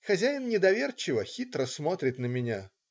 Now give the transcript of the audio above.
Хозяин недоверчиво, хитро смотрит на меня.